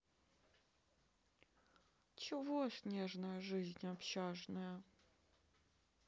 чего снежная жизнь общажная